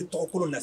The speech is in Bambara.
Ni tɔgɔ na